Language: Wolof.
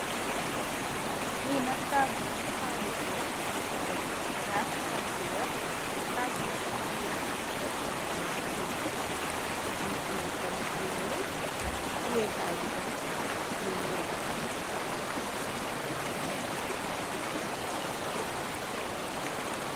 Li nak tabull la tabull bu wèèx ñing fa def kas, kas bu wèèx, kas bi nak ci biram ñing fa dèf li ñe naan lu netteh mugii ameh tamit lu ñuul teyeh kay bi tamit lu ñuul tamit.